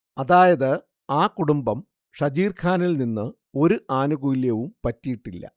അതായത് ആ കുടുംബം ഷജീർഖാനിൽ നിന്ന് ഒരു ആനുകൂല്യവും പറ്റിയിട്ടില്ല